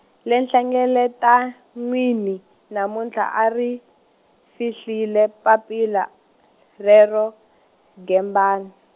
le nhlengeletanwini namuntlha u ri, fihlile papila, rero Gembani.